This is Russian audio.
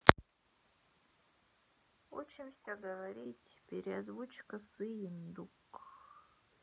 учимся говорить переозвучка сыендук